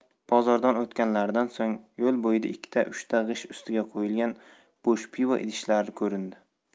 bozordan o'tganlaridan so'ng yo'l bo'yida ikki uchta g'isht ustiga qo'yilgan bo'sh pivo idishlari ko'rindi